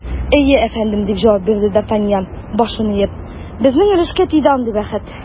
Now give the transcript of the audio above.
Әйе, әфәндем, - дип җавап бирде д’Артаньян, башын иеп, - безнең өлешкә тиде андый бәхет.